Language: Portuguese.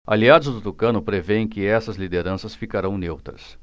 aliados do tucano prevêem que essas lideranças ficarão neutras